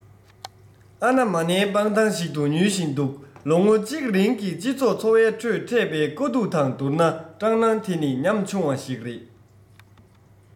ཨ ན མ ནའི སྤང ཐང ཞིག ཏུ ཉུལ བཞིན འདུག ལོ ངོ གཅིག རིང གི སྤྱི ཚོགས འཚོ བའི ཁྲོད འཕྲད པའི དཀའ སྡུག དང བསྡུར ན སྐྲག སྣང དེ ནི ཉམ ཆུང བ ཞིག རེད